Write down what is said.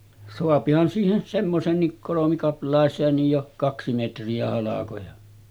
saahan siihen semmoiseenkin kolmikaplaiseenkin jo kaksi metriä halkoja